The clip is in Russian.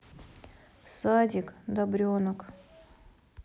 садик добренок